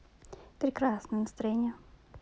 прекрасное настроение